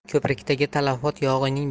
ko'prikdagi talafot yog'iyning